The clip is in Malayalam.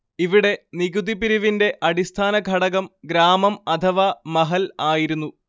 ഇവിടെ നികുതിപിരിവിന്റെ അടിസ്ഥാനഘടകം ഗ്രാമം അഥവാ മഹൽ ആയിരുന്നു